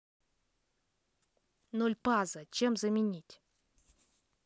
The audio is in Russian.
нольпаза чем заменить